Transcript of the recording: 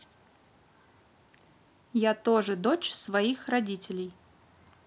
я тоже дочь своих родителей